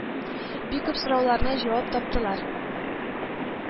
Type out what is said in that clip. Бик күп сорауларына җавап таптылар